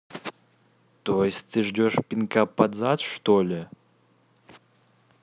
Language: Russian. то есть ты ждешь пинка под зад что ли